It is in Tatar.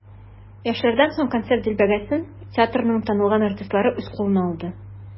Яшьләрдән соң концерт дилбегәсен театрның танылган артистлары үз кулына алды.